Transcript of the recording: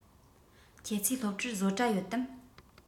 ཁྱོད ཚོའི སློབ གྲྭར བཟོ གྲྭ ཡོད དམ